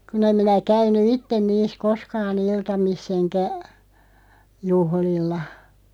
kun en minä käynyt itse niissä koskaan iltamissa enkä juhlilla